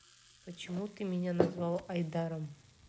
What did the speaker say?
почему ты меня назвал айдаром